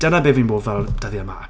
Dyna be fi'n bod fel dyddiau 'ma.